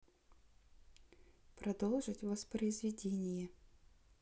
продолжить воспроизведение